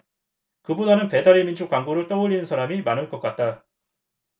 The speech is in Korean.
그보다는 배달의민족 광고를 떠올리는 사람이 많을 것 같다